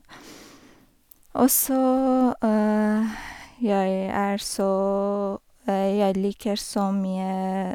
Og så jeg er så jeg liker så mye...